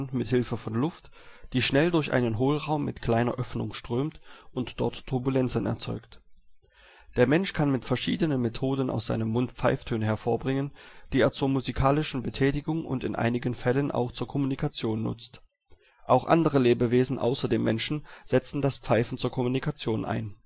mithilfe von Luft, die schnell durch einen Hohlraum mit kleiner Öffnung strömt und dort Turbulenzen erzeugt. Der Mensch kann mit verschiedenen Methoden aus seinem Mund Pfeiftöne hervorbringen, die er zur musikalischen Betätigung und in einigen Fällen auch zur Kommunikation nutzt. Auch andere Lebewesen außer dem Menschen setzen das Pfeifen zur Kommunikation ein